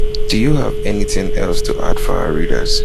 Do you have anything else to add for our readers?